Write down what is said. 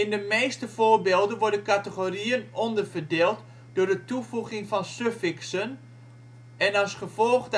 de meeste voorbeelden worden categorieën onderverdeeld door de toevoeging van suffixen en als gevolg daarvan